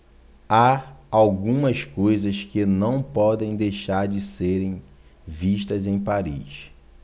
há algumas coisas que não podem deixar de serem vistas em paris